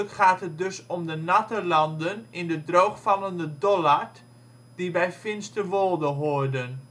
gaat het dus om de natte landen in de droogvallende Dollard die bij Finsterwolde hoorden